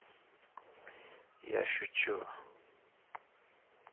я шучу